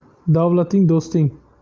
davlating do'sting